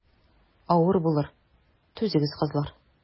Авыр булыр, түзегез, кызлар.